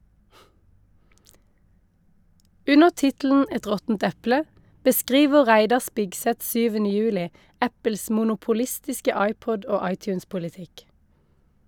Under tittelen "Et råttent eple" beskriver Reidar Spigseth 7. juli Apples monopolistiske iPod- og iTunes-politikk.